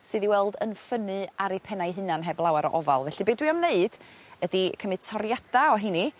sydd i weld yn ffynnu ar 'u penna'u hunan heb lawar o ofal felly be' dwi am wneud ydi cymyd toriada o 'heini